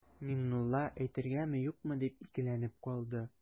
Миңнулла әйтергәме-юкмы дип икеләнеп калды.